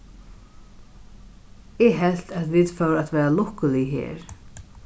eg helt at vit fóru at vera lukkulig her